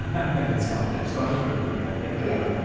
Yr un Scottish. Scottish rugby player... yeah. ...Yep I know.